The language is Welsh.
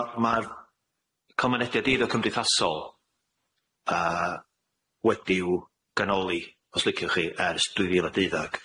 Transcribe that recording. Ma' ma'r cymuneda eiddo cymdeithasol yy wedi'w ganoli os liciwch chi ers dwy fil a deuddag,